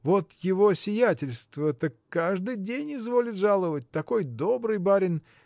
Вот его сиятельство так каждый день изволит жаловать. такой добрый барин.